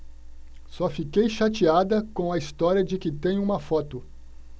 só fiquei chateada com a história de que tem uma foto